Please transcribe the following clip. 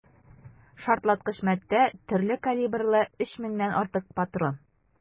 Шартлаткыч матдә, төрле калибрлы 3 меңнән артык патрон.